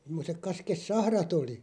semmoiset kaskisahrat oli